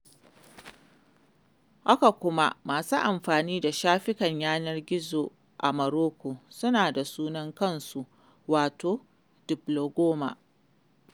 Haka kuma, masu amfani da shafukan yanar gizo a Morocco suna da sunan kansu wato 'the Blogoma'